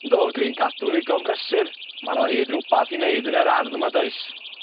Yndw dwi'n cadw ddigon brysur, ma' 'na o hyd rwbath i neud yn yr ardd yma does?